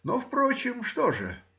но, впрочем, что же?.